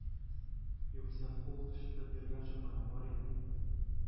Югыйсә, кул кычытып йөргән чакларым бар иде.